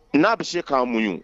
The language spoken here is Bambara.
N'a bɛ se k'a muɲu